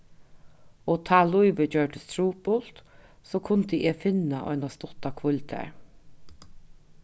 og tá lívið gjørdist trupult so kundi eg finna eina stutta hvíld har